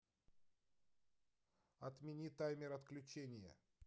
отмени таймер отключения